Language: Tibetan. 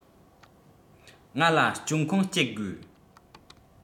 ང ལ སྤྱོད ཁང གཅད དགོས